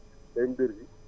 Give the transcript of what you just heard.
béy *